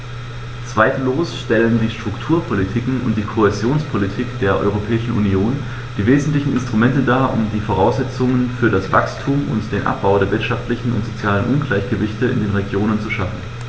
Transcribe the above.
Zweifellos stellen die Strukturpolitiken und die Kohäsionspolitik der Europäischen Union die wesentlichen Instrumente dar, um die Voraussetzungen für das Wachstum und den Abbau der wirtschaftlichen und sozialen Ungleichgewichte in den Regionen zu schaffen.